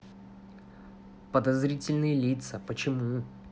подозрительные лица почему